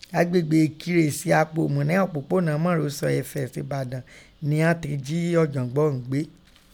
Agbegbe Èkire sí Apomu nẹ́ opopona mọ́rosẹ̀ Ẹfẹ s' Ibadan nighọn tẹn ji ọjọgbọn ọ̀ún gbe.